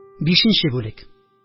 Бишенче бүлек